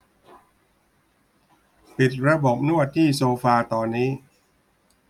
ปิดระบบนวดที่โซฟาตอนนี้